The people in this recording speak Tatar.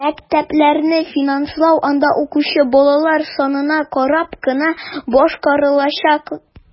Мәктәпләрне финанслау анда укучы балалар санына карап кына башкарылачак.